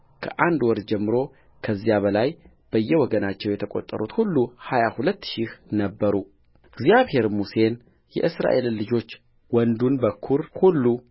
ከአንድ ወር ጀምሮ ከዚያም በላይ በየወገናቸው የተቈጠሩት ሁሉ ሀያ ሁለት ሺህ ነበሩእግዚአብሔርም ሙሴን የእስራኤልን ልጆች ወንዱን በኵር ሁሉ ቍጠር ከአንድ ወር ጀምሮ ከዚያም በላይ ያሉትን የስማቸውን ቍጥር ውሰድ